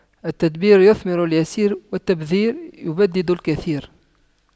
التدبير يثمر اليسير والتبذير يبدد الكثير